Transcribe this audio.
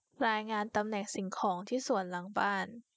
รายงานตำแหน่งสิ่งของที่สวนหลังบ้าน